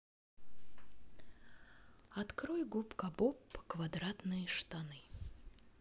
открой губка боб квадратные штаны